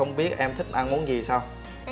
không biết em thích ăn món gì sao